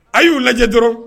A y'u lajɛ dɔrɔn